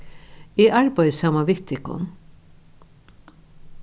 eg arbeiði saman við tykkum